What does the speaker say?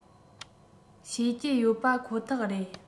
ཤེས ཀྱི ཡོད པ ཁོ ཐག རེད